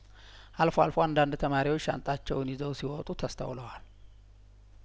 አልፎ አልፎ አንዳንድ ተማሪዎች ሻንጣቸውን ይዘው ሲወጡ ተስተውለዋል